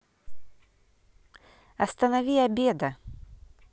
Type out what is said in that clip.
останови обеда